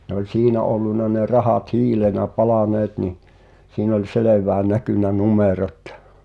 ne oli siinä ollut ne rahat hiilenä palaneet niin siinä oli selvään näkynyt numerot